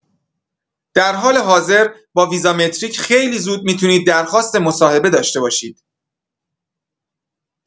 در حال حاضر با ویزامتریک خیلی زود می‌تونید درخواست مصاحبه داشته باشید.